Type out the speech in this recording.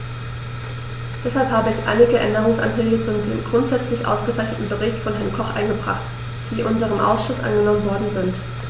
Deshalb habe ich einige Änderungsanträge zu dem grundsätzlich ausgezeichneten Bericht von Herrn Koch eingebracht, die in unserem Ausschuss angenommen worden sind.